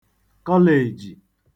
kọleèjì